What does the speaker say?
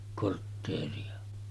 kortteeria